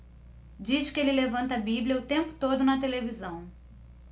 diz que ele levanta a bíblia o tempo todo na televisão